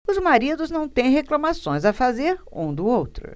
os maridos não têm reclamações a fazer um do outro